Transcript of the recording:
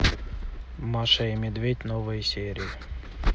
машка и медведь новые серии